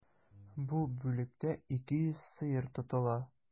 Бу бүлектә 200 сыер тотыла.